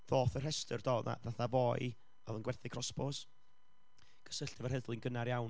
ddoth y rhestr do, oedd 'na fatha foi a oedd yn gwerthu crossbows, gysylltu efo'r heddlu'n gynnar iawn,